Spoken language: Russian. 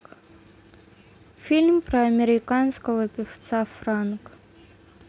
фильм про американского певца франк